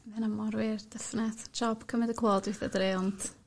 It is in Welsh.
Ma' hwnna mor wir definate. Job cymyd y clod weithia' dydi ond...